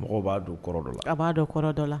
Mɔgɔ b'a don kɔrɔ dɔ la a b'a dɔn kɔrɔ dɔ la